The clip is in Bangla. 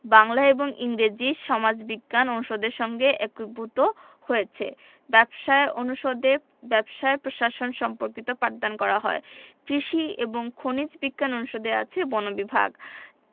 বাংলা এবং ইংরেজি সমাজবিজ্ঞান অনুষদের সঙ্গে একীভূত হয়েছে ব্যবসায় অনুষদে ব্যবসায় প্রশাসন সম্পর্কিত পাঠদান করা হয় কৃষি এবং খনিজ বিজ্ঞান অনুষদে আছে বন বিভাগ